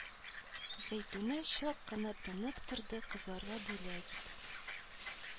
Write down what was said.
Зәйтүнә чак кына тынып торды, – кызларга бүләк ит